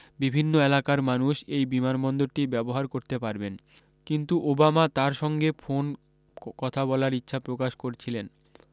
বিভিন্ন এলাকার মানুষ এই বিমানবন্দরটি ব্যবহার করতে পারবেন কিন্তু ওবামা তার সঙ্গে ফোন কথা বলার ইচ্ছা প্রকাশ করেছিলেন